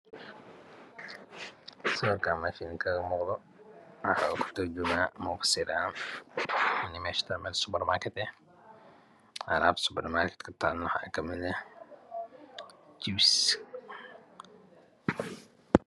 Subar maariskan waa subarkad weyn waxana yaalo jabisi kaas oo aad u badan